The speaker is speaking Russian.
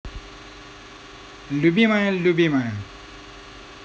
любимая любимая